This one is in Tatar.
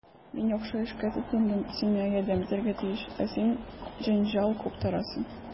Мин яхшы эшкә тотындым, син миңа ярдәм итәргә тиеш, ә син җәнҗал куптарасың.